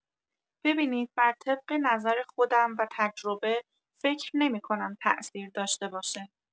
ببینید بر طبق نظر خودم و تجربه فکر نمی‌کنم تاثیر داشته باشه.